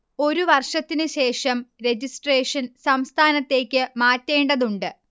ഒരു വർഷത്തിന് ശേഷം രജിസ്‌ട്രേഷൻ സംസ്ഥാനത്തേക്ക് മാറ്റേണ്ടതുണ്ട്